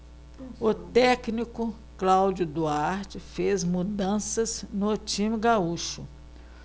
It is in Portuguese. o técnico cláudio duarte fez mudanças no time gaúcho